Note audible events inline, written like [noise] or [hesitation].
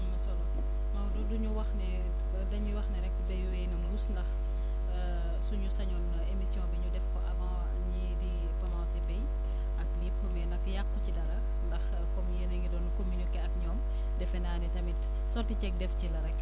am na solo Maodo du ñu wax ne dañuy wax ne rek béy wéy na mbuus ndax [hesitation] suñu sañoon émission bi ñu def ko avant ñii di commencer béy [breath] ak lépp mais nag yàqu ci dara ndax comme yéen a ngi doon communiquer ak ñoom defe naa ne tamit sotti ceeg def ci la rek